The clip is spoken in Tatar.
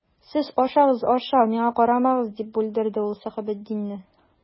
Сез ашагыз, аша, миңа карамагыз,— дип бүлдерде ул Сәхәбетдинне.